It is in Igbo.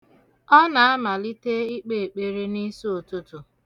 Ọ na-amalite ikpe ekpe n'isi ụtụtụ.